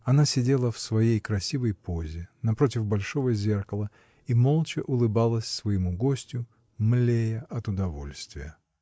Она сидела в своей красивой позе, напротив большого зеркала, и молча улыбалась своему гостю, млея от удовольствия.